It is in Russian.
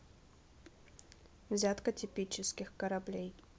взятка типических кораблей